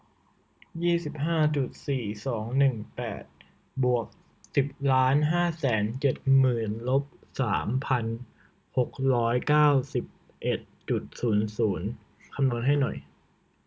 ยี่สิบห้าจุดสี่สองหนึ่งแปดบวกสิบล้านห้าแสนเจ็ดหมื่นลบสามพันหกร้อยเก้าสิบเอ็ดจุดศูนย์ศูนย์คำนวณให้หน่อย